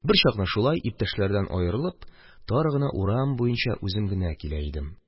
Берчакны шулай, иптәшләрдән аерылып, тар гына урам буенча үзем генә килә идем,